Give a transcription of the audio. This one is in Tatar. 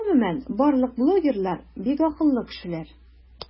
Гомумән барлык блогерлар - бик акыллы кешеләр.